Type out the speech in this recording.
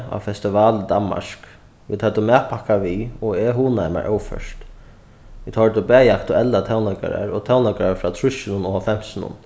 á festival í danmark vit høvdu matpakka við og eg hugnaði mær óført vit hoyrdu bæði aktuellar tónleikarar og tónleikarar frá trýssunum og hálvfemsunum